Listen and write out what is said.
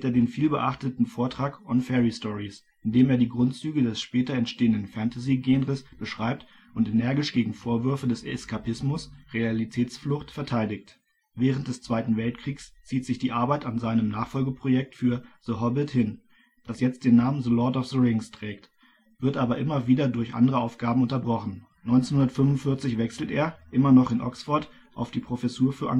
den vielbeachteten Vortrag On Fairy-Stories, in dem er die Grundsätze des später entstehenden Fantasy-Genres beschreibt und energisch gegen Vorwürfe des Eskapismus (Realitätsflucht) verteidigt. Während des Zweiten Weltkrieges zieht sich die Arbeit an seinem Nachfolgeprojekt für den The Hobbit hin, das jetzt den Namen The Lord of the Rings trägt, wird aber immer wieder durch andere Aufgaben unterbrochen. Tolkiens drittes Haus in Oxford 1945 wechselt er, immer noch in Oxford, auf die Professur für Anglistik